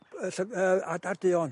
yy llyg- yy adar duon.